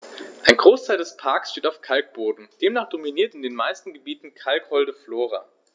Ein Großteil des Parks steht auf Kalkboden, demnach dominiert in den meisten Gebieten kalkholde Flora.